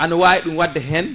ana wawi ɗum wadde hen